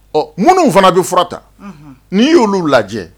Ɔ minnu fana bɛ furata n'i y'olu lajɛ